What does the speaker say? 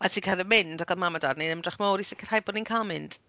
A ti'n kind of mynd, ac oedd mam a dad yn wneud ymdrech mawr i sicrhau bod ni'n cael mynd.